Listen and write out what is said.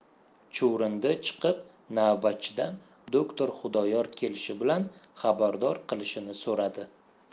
chuvrindi chiqib navbatchidan doktor xudoyor kelishi bilan xabardor qilishini so'radi